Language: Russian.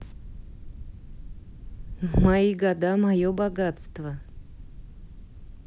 мои года мое богатство